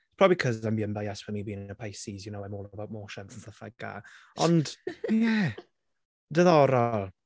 Probably 'cause I'm being biased with me being a Pisces you know I'm all about emotions and stuff like that. Ond ie, diddorol.